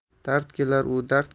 dard kelar u dard